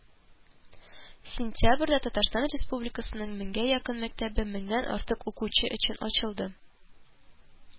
Сентябрьдә татарстан республикасының меңгә якын мәктәбе меңнән артык укучы өчен ачылды